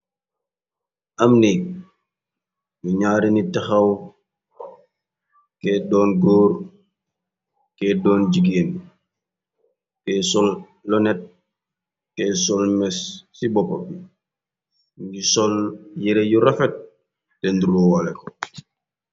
Am neeg bu ñaari nit taxaw ke doon góor ke doon jigéen ke sol lunet ke sol mess ci boppa bi mongi sol yere yu rafet te nduru wale ko.